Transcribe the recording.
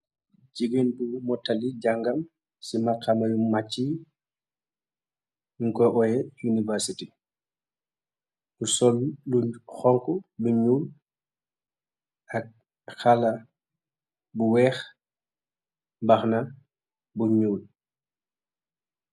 Jigeen boi motali jangam si maxaama yu macxayi nyun ko oyex university mu sol lu xonxu lu nuul ak xala weex mbahana bu nuul.